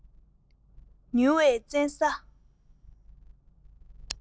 ཉུལ བའི བཙན ས